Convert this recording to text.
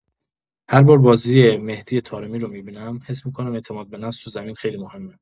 هر بار بازی مهدی طارمی رو می‌بینم، حس می‌کنم اعتماد به نفس تو زمین خیلی مهمه.